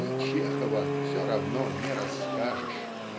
ни Чехова все равно не расскажешь.